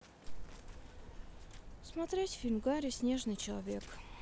смотреть фильм гарри снежный человек